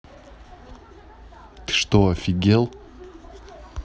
ты что офигел